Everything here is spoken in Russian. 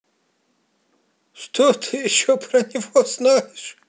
что ты еще про него знаешь